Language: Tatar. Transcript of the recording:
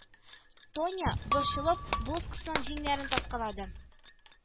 Тоня, борчылып, блузкасының җиңнәрен тарткалады